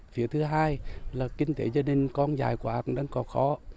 phía thứ hai là kinh tế gia đình con dại quá nên có khó